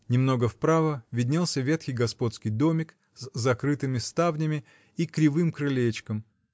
немного вправо виднелся ветхий господский домик с закрытыми ставнями и кривым крылечком